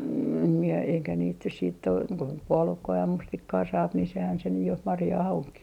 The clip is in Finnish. en minä eikä niitä nyt sitten ole kuin puolukkaa ja mustikkaa saa niin sehän se nyt jo marjaa onkin